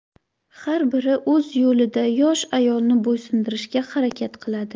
har biri o'z yo'lida yosh ayolni bo'ysundirishga harakat qiladi